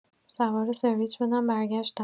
سوار سرویس شدم برگشتم.